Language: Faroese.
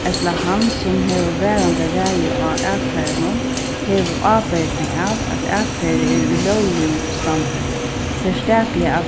ella hann sum hevur varandi ræði á akfarinum hevur ábyrgdina av at er í lógligum standi serstakliga at